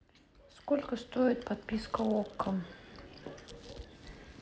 сколько стоит подписка окко